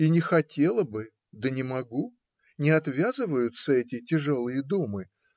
И не хотела бы, да не могу: не отвязываются эти тяжелые думы